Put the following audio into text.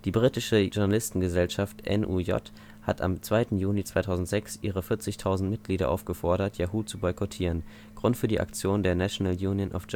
britische Journalistengewerkschaft NUJ hat am 2. Juni 2006 ihre 40.000 Mitglieder aufgefordert, Yahoo zu boykottieren. Grund für die Aktion der National Union of Journalists